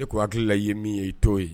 E ko hakilila i ye min ye i t'o ye